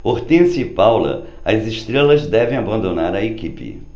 hortência e paula as estrelas devem abandonar a equipe